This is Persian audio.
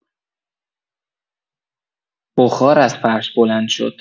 بخار از فرش بلند شد.